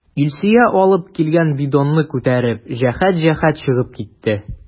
Илсөя алып килгән бидонны күтәреп, җәһәт-җәһәт чыгып китте.